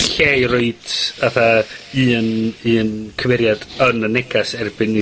...lle i roid fatha un un cymeriad yn y negas erbyn i